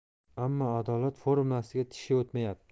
ammo adolat formulasiga tishi o'tmayapti